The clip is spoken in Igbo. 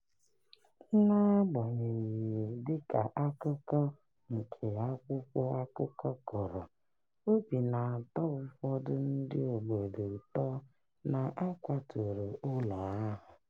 Na-agbanyeghị, dị ka akụko nke akwụkwọ akụkọ kọrọ, obi na-atọ ufọdu ndị obodo ụtọ na a kwaturu ụlọ ahụ.